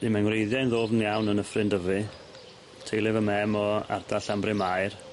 'Di ma'n ngwreiddie'n ddwfn iawn yn Nyffryn Dyfi, teulu fy mem o ardal Llanbryn Mair,